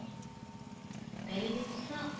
Пәрине куса